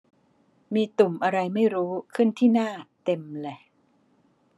มีตุ่มอะไรไม่รู้ขึ้นที่หน้าเต็มเลย